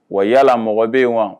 Wa yalala mɔgɔ bɛ yen wa